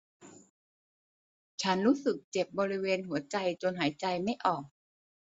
ฉันรู้สึกเจ็บบริเวณหัวใจจนหายใจไม่ออก